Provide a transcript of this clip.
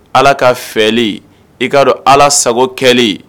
Ala ka fɛ i k'a dɔn ala sago kɛ